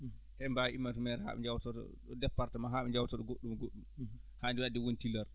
eɓe mbaawi immaade to meer haa ɓe njawtora département haa ɓe njawta ɗo goɗɗum e goɗɗum haade wadde wonti looro